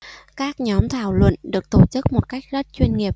các nhóm thảo luận được tổ chức một cách rất chuyên nghiệp